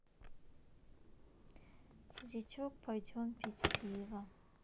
зятек пойдем пить пиво